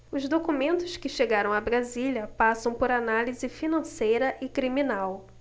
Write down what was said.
os documentos que chegaram a brasília passam por análise financeira e criminal